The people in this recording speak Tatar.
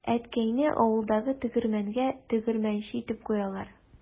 Әткәйне авылдагы тегермәнгә тегермәнче итеп куялар.